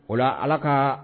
O ala ka